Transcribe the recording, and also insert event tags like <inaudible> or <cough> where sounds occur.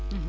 <hesitation> <hesitation>